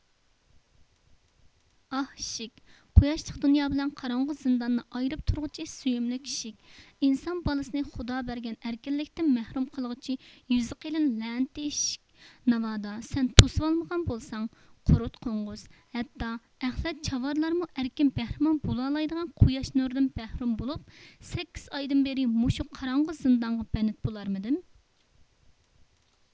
ئاھ ئىشىك قۇياشلىق دۇنيا بىلەن قاراڭغۇ زىنداننى ئايرىپ تۇرغۇچى سۆيۈملۈك ئىشىك ئىنسان بالىسىنى خۇدا بەرگەن ئەركىنلىكدىن مەھرۇم قىلغۇچى يۈزى قېلىن لەنىتى ئىشىك ناۋادا سەن توسۇۋالمىغان بولساڭ قۇرت قوڭغۇز ھەتتا ئەخلەت چاۋالارمۇ ئەركىن بەھرىمەن بولالايدىغان قۇياش نۇرىدىن مەھرۇم بولۇپ سەككىز ئايدىن بېرى مۇشۇ قاراڭغۇ زىندانغا بەنت بولارمىدىم